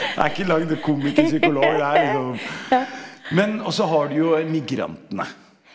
er ikke langt komiker psykolog det er liksom men også har du jo migrantene.